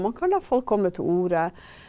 man kan la folk komme til orde.